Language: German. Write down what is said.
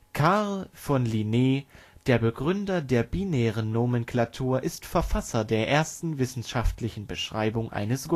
Carl von Linné, der Begründer der binären Nomenklatur, ist Verfasser der ersten wissenschaftlichen Beschreibung eines